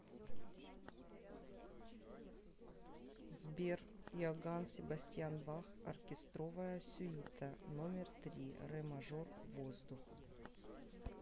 сбер иоганн себастьян бах оркестровая сюита номер три ре мажор воздух